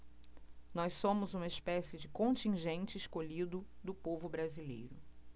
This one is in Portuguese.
nós somos uma espécie de contingente escolhido do povo brasileiro